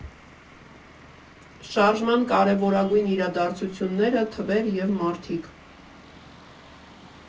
Շարժման կարևորագույն իրադարձությունները, թվեր և մարդիկ։